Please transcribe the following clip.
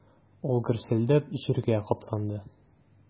Ул гөрселдәп җиргә капланды.